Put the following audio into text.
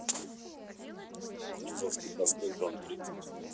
кутузовский проспект дом тридцать